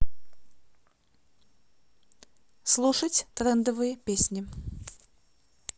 слушать трендовые песни